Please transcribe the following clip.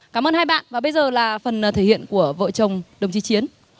cám ơn hai bạn và bây giờ là phần thể hiện của vợ chồng đồng chí chiến